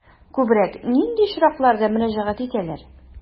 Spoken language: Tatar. Күбрәк нинди очракларда мөрәҗәгать итәләр?